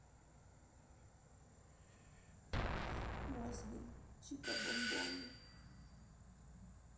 мозги чика бамбони